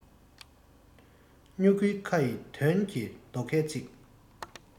སྨྱུ གུའི ཁ ཡི དོན གྱི རྡོ ཁའི ཚིག